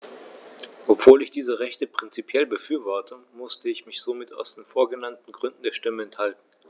Obwohl ich diese Rechte prinzipiell befürworte, musste ich mich somit aus den vorgenannten Gründen der Stimme enthalten.